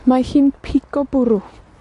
mae hi'n pigo bwrw.